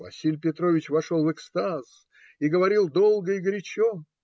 Василий Петрович вошел в экстаз и говорил долго и горячо.